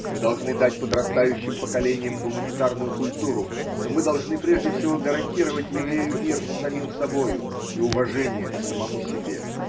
Мы должны дать подрастающим поколениям гуманитарную культуру, но мы должны прежде всего гарантировать еврею мир с самим собою и уважение к самому себе.